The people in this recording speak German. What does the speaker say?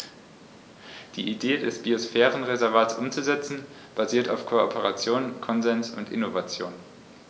Die Idee des Biosphärenreservates umzusetzen, basiert auf Kooperation, Konsens und Innovation.